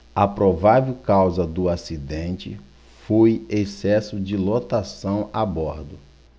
a provável causa do acidente foi excesso de lotação a bordo